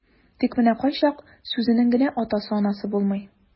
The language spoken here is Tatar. Тик менә кайчак сүзенең генә атасы-анасы булмый.